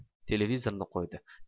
televizorni qo'ydi